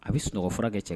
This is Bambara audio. A bɛ sunɔgɔ furakɛ kɛ cɛ